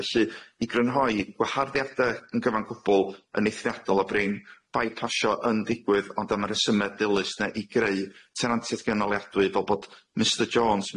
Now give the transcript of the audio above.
Felly i grynhoi gwaharddiade yn gyfan gwbwl yn eithriadol o brin fai pasio yn ddigwydd ond dyma rhesyme dilys yne i greu tenantiaeth gynaliadwy fel bod Mr Jones,